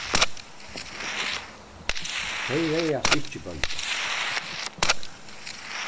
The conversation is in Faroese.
tey ræðast ikki bóndan